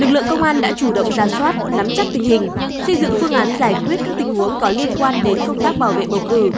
lực lượng công an đã chủ động rà soát nắm chắc tình hình xây dựng phương án giải quyết các tình huống có liên quan đến công tác bảo vệ bầu cử